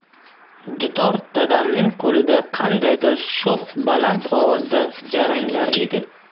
dutor dadamning qo'lida qandaydir sho'x baland ovozda jaranglar edi